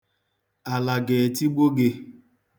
Ala ga-etigbu gị.